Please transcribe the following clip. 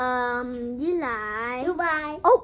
ờ với lại du bai úc